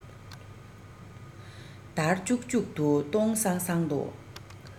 འདར ལྕུག ལྕུག ཏུ སྟོང སང སང དུ